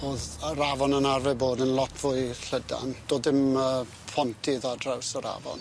O'dd yr afon yn arfer bod yn lot fwy llydan do'dd dim yy pontydd ar draws yr afon.